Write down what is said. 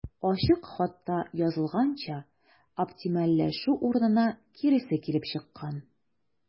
Ачык хатта язылганча, оптимальләшү урынына киресе килеп чыккан.